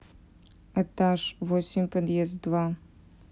этаж восемь подъезд два